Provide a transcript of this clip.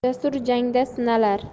jasur jangda sinalar